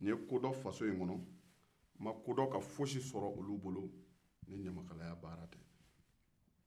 n ye kodɔn faso in kɔnɔ n ma kodɔn ka fosi sɔrɔ olu bolo ni ɲamakalaya baara tɛ